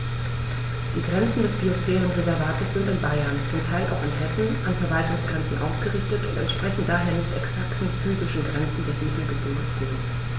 Die Grenzen des Biosphärenreservates sind in Bayern, zum Teil auch in Hessen, an Verwaltungsgrenzen ausgerichtet und entsprechen daher nicht exakten physischen Grenzen des Mittelgebirges Rhön.